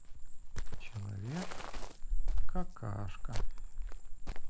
человек какашка